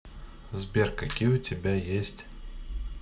сбер какие у тебя есть